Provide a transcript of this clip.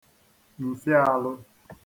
m̀fịaālụ̄